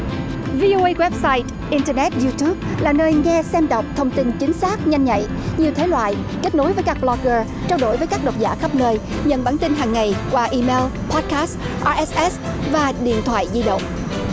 vi âu ây goép sai in tơ nét diu túp là nơi nghe xem đọc thông tin chính xác nhanh nhạy nhiều thể loại kết nối với các bờ loóc gơ trao đổi với các độc giả khắp nơi nhận bản tin hằng ngày qua y eo pát cát a ét ét và điện thoại di động